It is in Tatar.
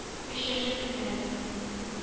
Рәсеме мактау тактасында торадыр әле.